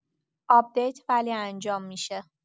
آپدیت ولی انجام می‌شه